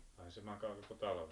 ai se makaa koko talven